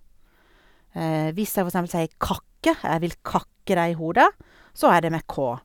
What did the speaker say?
Hvis jeg for eksempel sier kakke, Jeg vil kakke deg i hodet, så er det med k.